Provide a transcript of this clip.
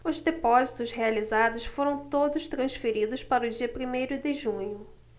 os depósitos realizados foram todos transferidos para o dia primeiro de junho